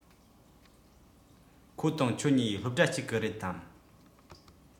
ཁོ དང ཁྱོད གཉིས སློབ གྲྭ གཅིག གི རེད དམ